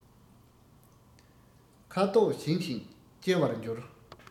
ཁ དོག གཞན ཞིག སྐྱེ བར འགྱུར